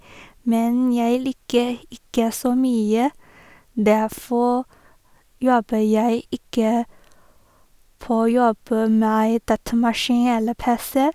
Men jeg liker ikke så mye, derfor jobber jeg ikke på jobber med datamaskin eller PC.